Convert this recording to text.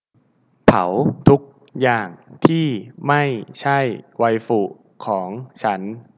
เผาทุกอย่างที่ไม่ใช่ไวฟุของฉัน